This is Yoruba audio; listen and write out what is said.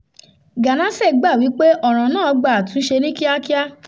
Ganase gbà wípé ọ̀ràn náà gba àtúnṣe ní kíákíá.